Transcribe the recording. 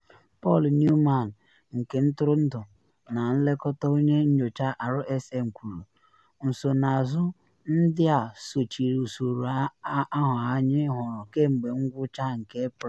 Paul Newman, nke ntụrụndụ na nlekọta onye nyocha RSM kwuru: “Nsonaazụ ndị a sochiri usoro ahụ anyị hụrụ kemgbe ngwụcha nke Eprel.